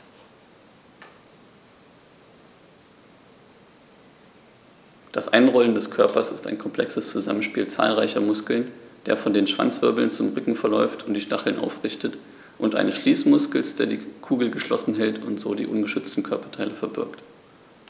Das Einrollen des Körpers ist ein komplexes Zusammenspiel zahlreicher Muskeln, der von den Schwanzwirbeln zum Rücken verläuft und die Stacheln aufrichtet, und eines Schließmuskels, der die Kugel geschlossen hält und so die ungeschützten Körperteile verbirgt.